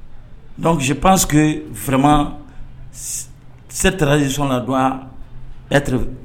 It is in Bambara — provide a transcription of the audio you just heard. Dɔnkucsi pansseke fɛrɛma sɛ taara desɔn na don ɛtr